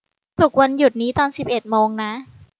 ปลุกวันหยุดนี้ตอนสิบเอ็ดโมงนะ